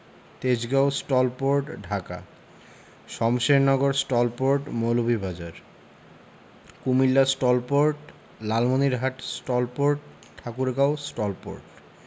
Tejgaon STOL port Dhaka Shamshernagar STOL port Moulvibazar Comilla STOL port Lalmonirhat STOL port Thakurgaon STOL port